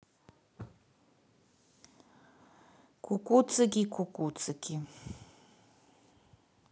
кукуцики кукуцики